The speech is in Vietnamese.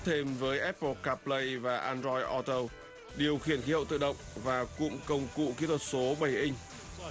thêm với áp pồ cáp phờ lây và en đờ roi au tu điều khiển hiệu tự động và cụm công cụ kỹ thuật số bảy inh